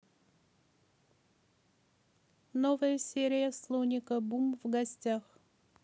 новая серия слоника бум в гостях